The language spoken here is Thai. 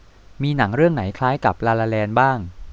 มีหนังเรื่องไหนคล้ายกับลาลาแลนด์บ้าง